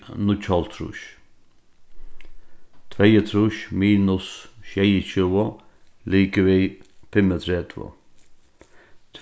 níggjuoghálvtrýss tveyogtrýss minus sjeyogtjúgu ligvið fimmogtretivu